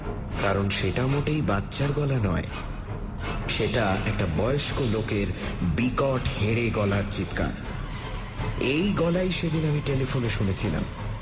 কারণ সেটা মোটেই বাচ্চার গলা নয় সেটা একটা বয়স্ক লোকের বিকট হেঁড়ে গলার চিৎকার এই গলাই সেদিন আমি টেলিফোনে শুনেছিলাম